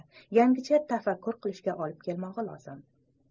yangicha tafakkur qilishga olib kelmog'i lozim